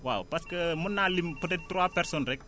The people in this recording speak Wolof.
waaw parce que mun naa lim peut être trois personnes rek